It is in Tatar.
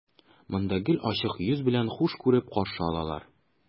Монда гел ачык йөз белән, хуш күреп каршы алалар.